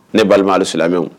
Ne balima silamɛmɛ